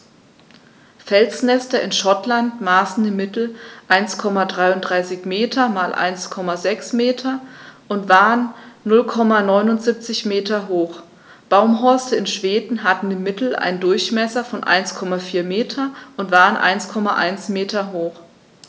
Felsnester in Schottland maßen im Mittel 1,33 m x 1,06 m und waren 0,79 m hoch, Baumhorste in Schweden hatten im Mittel einen Durchmesser von 1,4 m und waren 1,1 m hoch.